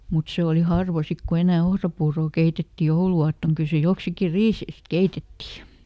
mutta se oli harva sitten kun enää ohrapuuroa keitettiin jouluaattona kyllä se joksikin riiseistä keitettiin